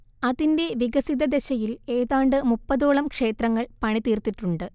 അതിന്റെ വികസിതദശയിൽ ഏതാണ്ട് മുപ്പതോളം ക്ഷേത്രങ്ങൾ പണിതീർത്തിട്ടുണ്ട്